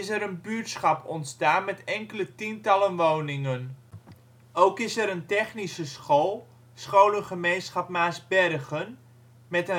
een buurtschap ontstaan met enkele tientallen woningen. Ook is er een technische school (Scholengemeenschap Maarsbergen), met